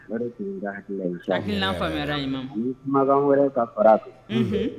Hakili hakilila faamuya kumakan wɛrɛ ka fara fɛ